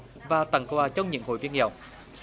và tặng quà cho những hội viên nghèo